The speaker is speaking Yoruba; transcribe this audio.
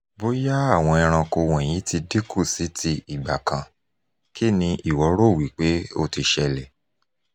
"bóyá àwọn ẹranko wọ̀nyí ti dínkù sí ti ìgbà kan, kí ni ìwọ rò wípé ó ti ṣẹlẹ̀?"